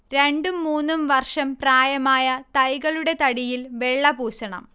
രണ്ടും മൂന്നും വർഷം പ്രായമായ തൈകളുടെ തടിയിൽ വെള്ള പൂശണം